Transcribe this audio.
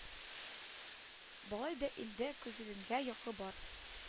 Болай да инде күзләрендә йокы бар